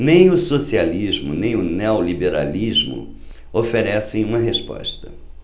nem o socialismo nem o neoliberalismo oferecem uma resposta